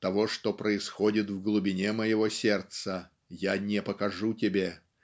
Того, что происходит в глубине моего сердца, я не покажу тебе